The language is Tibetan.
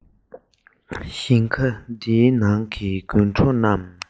ཞིང ཁ འདིའི ནང གི དགུན གྲོ རྣམས